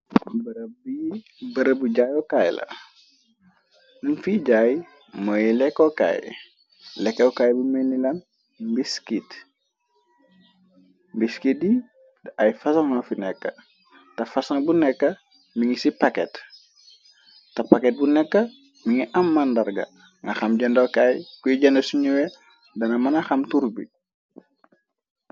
Bërëbu jaayokaay la mun fi jaay mooy lekkokaay lekkokaay bu menni laan mbi skit mbi skit yi ay fasano fi nekk te fasan bu nekk mi ngi ci paket te paket bu nekk mi ngi am màndarga nga xam jëndokaay kuy jane sunuwe dana mëna xam tur bi.